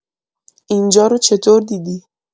اینجا رو چطور دیدی؟